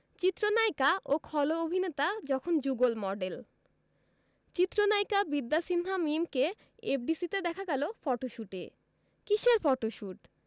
চিত্রনায়িকা ও খল অভিনেতা যখন যুগল মডেল চিত্রনায়িকা বিদ্যা সিনহা মিমকে এফডিসিতে দেখা গেল ফটোশুটে কিসের ফটোশুট